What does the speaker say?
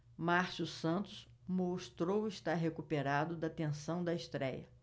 márcio santos mostrou estar recuperado da tensão da estréia